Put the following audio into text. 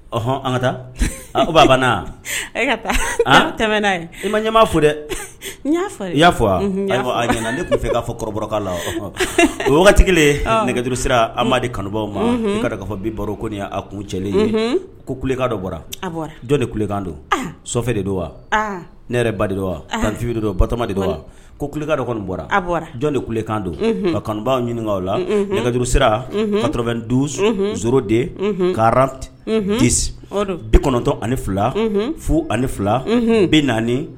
Ɔɔn an ka taa an ko bana ka taa tɛmɛɛnana i ma ɲɛmaa fo dɛ'a y'a fɔ'a fɔ a ɲɛna ne tun kɔfɛ k'a fɔ kɔrɔ la oti nɛgɛjurusira an amadudi kanubaw ma ka k'a fɔ bi baro ko a kuncɛlen ye ko kuleka dɔ bɔra jɔn de kulekan don sofɛ de don wa ne yɛrɛ ba de don wa kanufi dɔ don batoma de do wa ko kulekadɔ bɔra de kulekan don ka kanubaw ɲini la nɛgɛjuru sira batorofɛn dus sourudi karanti di bitɔn kɔnɔntɔn ani fila fu ani fila bi naani